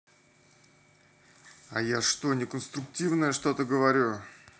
а я что не конструктивные что говорю